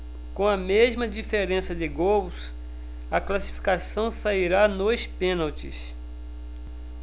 com a mesma diferença de gols a classificação sairá nos pênaltis